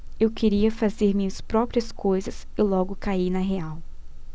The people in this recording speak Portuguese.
eu queria fazer minhas próprias coisas e logo caí na real